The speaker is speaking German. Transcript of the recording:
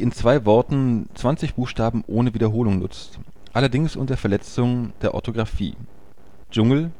zwei Worten 20 Buchstaben ohne Wiederholung nutzt, allerdings unter Verletzung der Orthographie (Djungel -> Dschungel